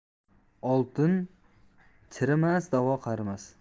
oltin chirimas da'vo qarimas